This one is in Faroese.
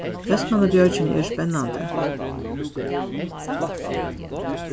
vestmannabjørgini eru spennandi